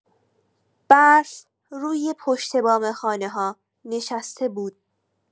برف روی پشت‌بام خانه‌ها نشسته بود.